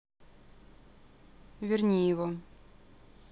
верни его